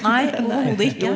nei, overhodet ikke.